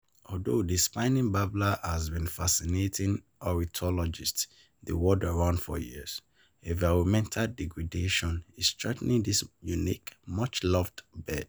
Although the Spiny Babbler has been fascinating ornithologists the world around for years, environmental degradation is threatening this unique, much-loved bird.